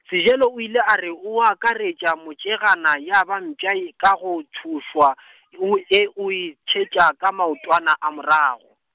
Sejelo o ile a re o akaretša motšegana ya ba mpša e ka go tšhošwa , o e o e thetša ka maotwana a morago.